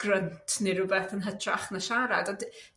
grynt ne' rywbeth yn hytrach na siarad a 'dy-